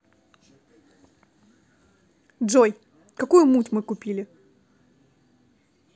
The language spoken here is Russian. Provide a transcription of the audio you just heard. джой какую муть мы купили